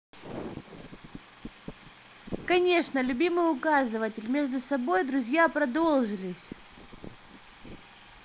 конечно любимый указыватель между собой друзья когда продолжились